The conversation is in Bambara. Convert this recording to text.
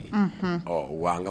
Wa an ka